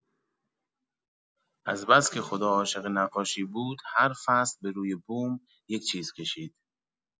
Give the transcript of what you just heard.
از بس که خدا عاشق نقاشی بود، هر فصل به روی بوم، یک چیز کشید.